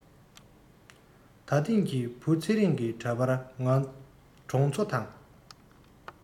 ད ཐེངས ཀྱི བུ ཚེ རིང གི འདྲ པར ང གྲོང ཚོ དང